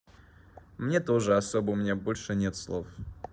мне тоже особо у меня больше нет слов